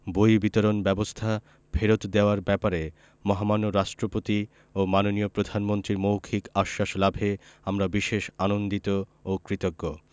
বই বিতরণ ব্যবস্থা ফেরত দেওয়ার ব্যাপারে মহামান্য রাষ্ট্রপতি ও মাননীয় প্রধানমন্ত্রীর মৌখিক আশ্বাস লাভে আমরা বিশেষ আনন্দিত ও কৃতজ্ঞ